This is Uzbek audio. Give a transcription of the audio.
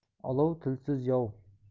olov tilsiz yov